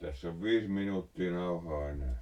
tässä on viisi minuuttia nauhaa enää